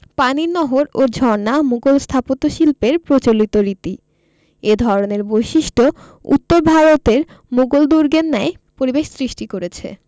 পানির নহর ও ঝর্ণা মুগল স্থাপত্য শিল্পের প্রচলিত রীতি এ ধরনের বৈশিষ্ট্য উত্তর ভারতের মুগল দুর্গের ন্যায় পরিবেশ সৃষ্টি করেছে